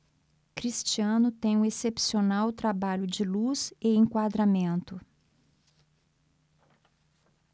cristiano tem um excepcional trabalho de luz e enquadramento